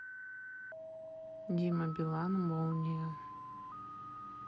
дима билан молния